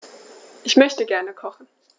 Ich möchte gerne kochen.